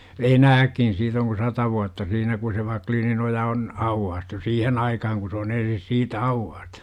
enääkin siitä on kuin sata vuotta siinä kun se Wacklininoja on aukaistu siihen aikaan kun se on ensin siitä aukaistu